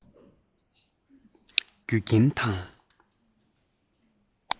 རྒྱུ རྐྱེན དང